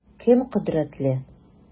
Кем кодрәтле?